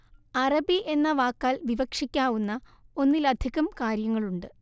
അറബി എന്ന വാക്കാൽ വിവക്ഷിക്കാവുന്ന ഒന്നിലധികം കാര്യങ്ങളുണ്ട്